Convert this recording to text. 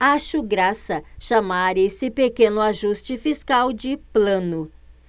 acho graça chamar esse pequeno ajuste fiscal de plano